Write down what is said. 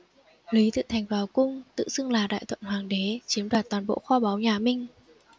lý tự thành vào cung tự xưng là đại thuận hoàng đế chiếm đoạt toàn bộ kho báu nhà minh